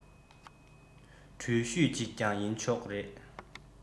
འགྲུལ བཞུད ཅིག ཀྱང ཡིན ཆོག རེད དེ